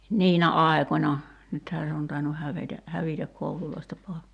niinä aikoina nythän se on tainnut hävetä hävitä kouluista pois